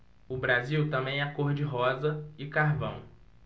o brasil também é cor de rosa e carvão